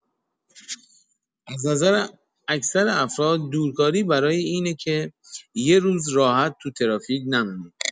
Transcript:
از نظر اکثر افراد دورکاری برای اینه که یه روز راحت تو ترافیک نمونی.